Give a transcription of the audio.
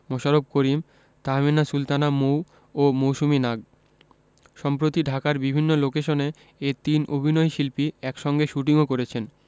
মোশাররফ করিম তাহমিনা সুলতানা মৌ ও মৌসুমী নাগ সম্প্রতি ঢাকার বিভিন্ন লোকেশনে এ তিন অভিনয়শিল্পী একসঙ্গে শুটিংও করেছেন